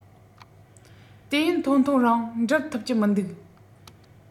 དུས ཡུན ཐུང ཐུང རིང འགྲུབ ཐུབ ཀྱི མི འདུག